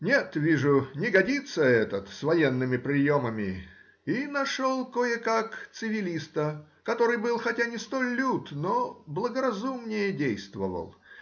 Нет, вижу — не годится этот с военными приемами, и нашел кое-как цивилиста, который был хотя не столь лют, но благоразумнее действовал